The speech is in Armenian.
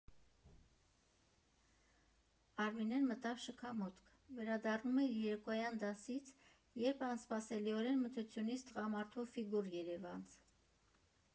Արմինեն մտավ շքամուտք՝ վերադառնում էր երեկոյան դասից, երբ անսպասելիորեն մթությունից տղամարդու ֆիգուր երևանց։